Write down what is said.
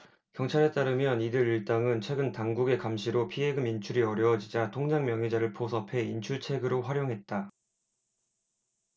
경찰에 따르면 이들 일당은 최근 당국의 감시로 피해금 인출이 어려워지자 통장명의자를 포섭해 인출책으로 활용했다